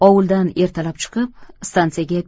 ovuldan ertalab chiqib stansiyaga